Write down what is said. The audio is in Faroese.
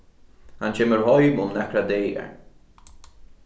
hann kemur heim um nakrar dagar